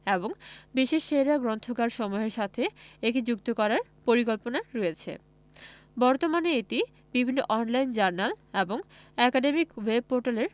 এবং বিশ্বের সেরা গ্রন্থাগারসমূহের সাথে একে যুক্ত করার পরিকল্পনা রয়েছে বর্তমানে এটি বিভিন্ন অন লাইন জার্নাল এবং একাডেমিক ওয়েব পোর্টালের